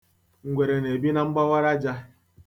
Ngwere na-ebi na mgbawara aja.